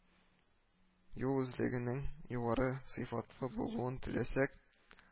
“юл өслегенең югары сыйфатлы булуын теләсәк